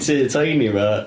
Tŷ tiny 'ma.